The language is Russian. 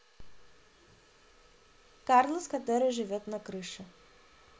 карлос который живет на крыше